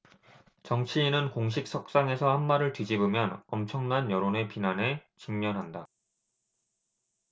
정치인은 공식 석상에서 한 말을 뒤집으면 엄청난 여론의 비난에 직면한다